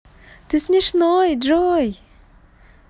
ты смешной джой